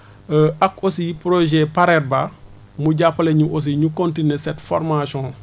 ak aussi projet Pareba mu jàppale ñu aussi ñu continuer cette formation